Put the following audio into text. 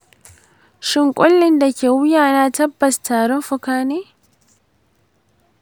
shin ƙullin da ke wuyana tabbas tarin fuka ne?